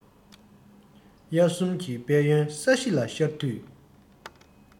དབྱར གསུམ གྱི དཔལ ཡོན ས གཞི ལ ཤར དུས